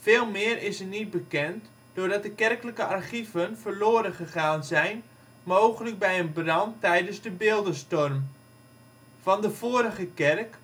Veel meer is er niet bekend doordat de kerkelijke archieven verloren gegaan zijn, mogelijk bij een brand tijdens de beeldenstorm. Van de vorige kerk